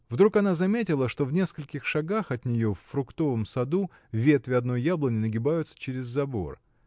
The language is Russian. Вдруг она заметила, что в нескольких шагах от нее, в фруктовом саду, ветви одной яблони нагибаются через забор.